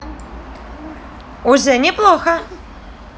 уже неплохо